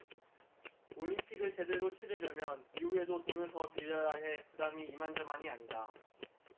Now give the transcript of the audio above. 올림픽을 제대로 치르려면 이후에도 돈을 더 빌려야 해 부담이 이만저만이 아니다